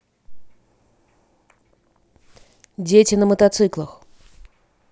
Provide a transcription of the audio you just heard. дети на мотоциклах